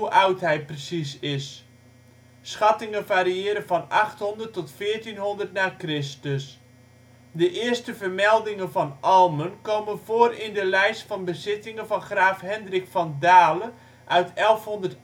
oud hij precies is. Schattingen variëren van 800 tot 1400 na Christus. De eerste vermeldingen van Almen komen voor in de lijst van bezittingen van Graaf Hendrik van Dale uit 1188